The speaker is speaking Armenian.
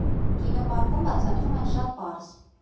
ԿինոՊարկում բացատրում են շատ պարզ.